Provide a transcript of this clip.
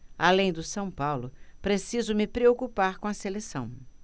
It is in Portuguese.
além do são paulo preciso me preocupar com a seleção